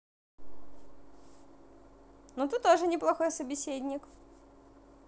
ну ты тоже не плохой собеседник